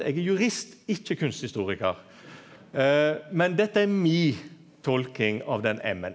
eg er jurist ikkje kunsthistorikar men dette er mi tolking av den M-en.